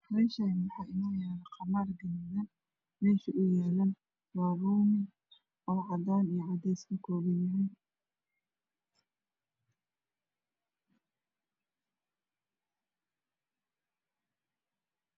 Meshani waxa ino yalo qamar gaduudan mesha oow yalo waa roomi oo cadan io cades kakoban